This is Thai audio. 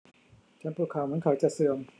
ฉันปวดเข่าเหมือนเข่าจะเสื่อม